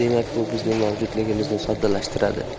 demak bu bizning mavjudligimizni soddalashtiradi